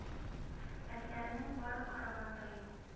Әтиләренең барып караганы да юк